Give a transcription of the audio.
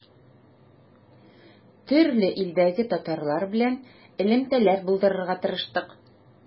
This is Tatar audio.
Төрле илдәге татарлар белән элемтәләр булдырырга тырыштык.